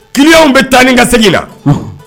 Kiiriw bɛ taa ni ka segin na